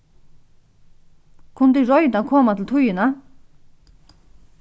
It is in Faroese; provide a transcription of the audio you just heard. kunnu tit royna at koma til tíðina